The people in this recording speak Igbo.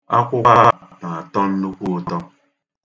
Akwukwo a na-atọ nnukwu ụtọ.